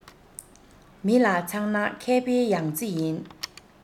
མི ལ ཚང ན མཁས པའི ཡང རྩེ ཡིན